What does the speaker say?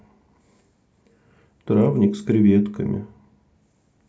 травник с креветками